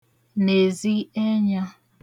nezi ẹnyā